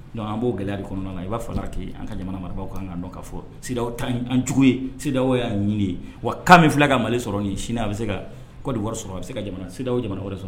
Donc an b'o gɛlɛya de kɔnɔna na il va falloir que an ka jamana marabagaw kaan ka dɔn ka fɔ CDEAO t'an j an jugu ye CDEAO y'an nin de ye wa cas min filɛ ka Mali sɔrɔ nin ye sini a be se ka Côte d'Ivoire sɔrɔ a be se ka jamana CDEAO jamana wɛrɛ sɔrɔ